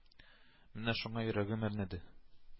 Менә шуңа йөрәгем әрнәде